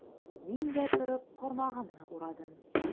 Мин дә, торып, кармагымны урадым.